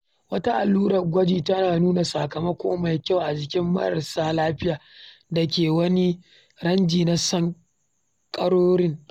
Wata allurar gwaji tana nuna sakamako mai kyau a jikin marassa lafiya da ke wani ranji na sankarorin.